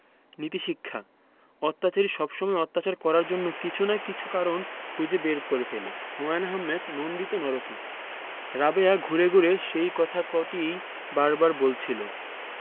নীতিশিক্ষাঃ অত্যাচারী সবসময়ই অত্যাচার করার জন্য কিছু না কিছু কারণ খুঁজে বার করে ফেলে হুমায়ুন আহমেদ নন্দিত নরকে রাবেয়া ঘুরে ঘুরে সেই কথা কটিই বার বার বলছিলো